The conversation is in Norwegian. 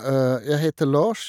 Jeg heter Lars.